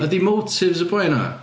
Ydy motives y boi yna?